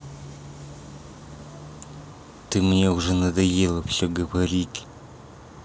ты мне уже надоело все говорить